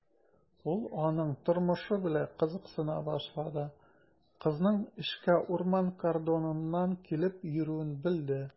Ул аның тормышы белән кызыксына башлады, кызның эшкә урман кордоныннан килеп йөрүен белде.